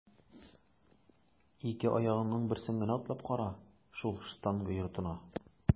Ике аягыңның берсен генә атлап кара шул штанга йортына!